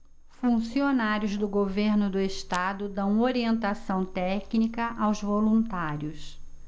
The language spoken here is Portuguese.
funcionários do governo do estado dão orientação técnica aos voluntários